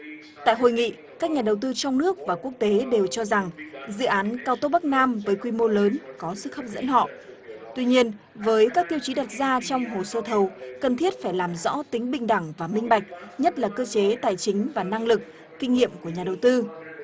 tại hội nghị các nhà đầu tư trong nước và quốc tế đều cho rằng dự án cao tốc bắc nam với quy mô lớn có sức hấp dẫn họ tuy nhiên với các tiêu chí đặt ra trong hồ sơ thầu cần thiết phải làm rõ tính bình đẳng và minh bạch nhất là cơ chế tài chính và năng lực kinh nghiệm của nhà đầu tư